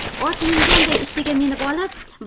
ot minganday ustiga minib olib